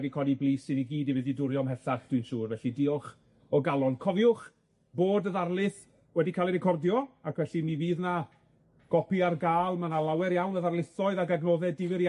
hi wedi codi bys i ni gyd i fynd i dwrio ymhellach, dwi'n siŵr, felly diolch o galon. Cofiwch bod y ddarlith wedi ca'l ei recordio, ac felly mi fydd 'na gopi ar ga'l, ma' 'na lawer iawn o ddarlithoedd ag adnodde difyr